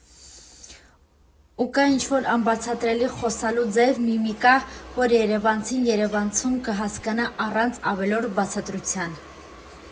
Ու կա ինչ֊որ անբացատրելի խոսալու ձև, միմիկա, որ երևանցին երևանցուն կհասկանա առանց ավելորդ բացատրության։